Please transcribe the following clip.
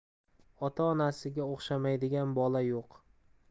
ota onasiga o'xshamaydigan bola yo'q